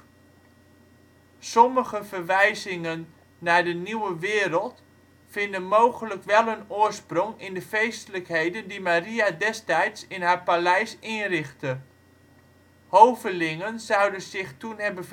Sommige verwijzingen naar de Nieuwe Wereld vinden mogelijk wel hun oorprong in de feestelijkheden die Maria destijds in haar paleis inrichtte. Hovelingen zouden zich toen hebben